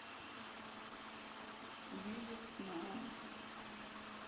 едет к нам